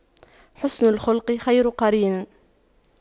حُسْنُ الخلق خير قرين